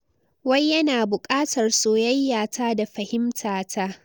Wai yana bukatar soyayya ta da fahimta ta.